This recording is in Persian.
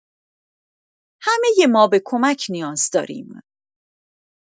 همه ما به کمک نیاز داریم.